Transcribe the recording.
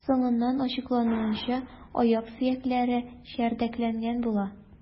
Соңыннан ачыклануынча, аяк сөякләре чәрдәкләнгән була.